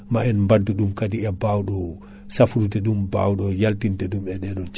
gaddi produit mumen kono kam tama tan ko Aporstar tan woni solution men